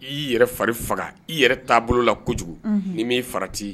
Ii yɛrɛ fari faga i yɛrɛ t'a bolo la kojugu ni m'i farati